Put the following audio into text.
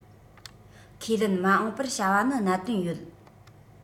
ཁས ལེན མ འོངས པར བྱ བ ནི གནད དོན ཡོད